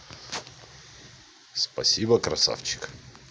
спасибо красавчик